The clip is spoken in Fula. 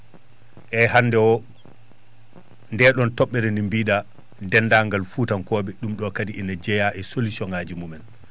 eeyi hannde o nden ɗon toɓɓere nde mbiɗa deenndaangal Fuutankooɓe ɗum ɗo kadi ne jeyaa e solution ŋaaji mumen